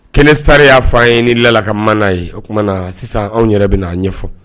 Kɛnɛstar y'a fɔ an ye ni Lala ka maana ye, o tuma naa sisan an yɛrɛ bɛn'a ɲɛfɔ.